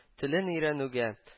Телен өйрәнүгә